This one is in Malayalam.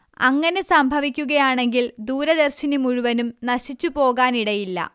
അങ്ങനെ സംഭവിക്കുകയാണെങ്കിൽ ദൂരദർശിനി മുഴുവനും നശിച്ചുപോകാനിടയില്ല